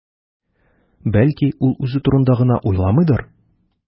Бәлки, ул үзе турында гына уйламыйдыр?